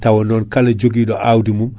tawa non kala jooguiɗo awdi mum